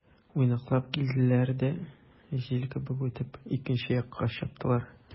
Уйнаклап килделәр дә, җил кебек үтеп, икенче якка чаптылар.